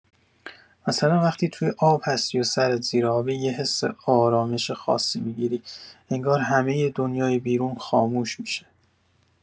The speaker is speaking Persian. مثلا وقتی توی آب هستی و سرت زیر آبه، یه حس آرامش خاصی می‌گیری، انگار همه دنیای بیرون خاموش می‌شه.